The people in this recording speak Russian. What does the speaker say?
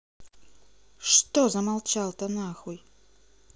что замолчал то нахуй